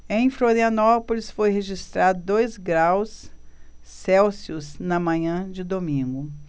em florianópolis foi registrado dois graus celsius na manhã de domingo